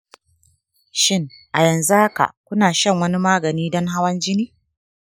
shin, a yanzu haka kuna shan wani magani don hawan jini?